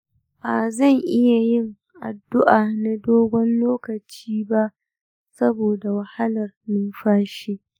ba zan iya yin addu’a na dogon lokaci ba saboda wahalar numfashi.